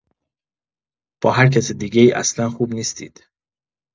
با هرکس دیگه‌ای اصلا خوب نیستید.